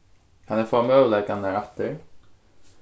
kann eg fáa møguleikarnar aftur